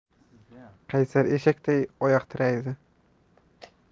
qaysar eshakday oyoq tiraydi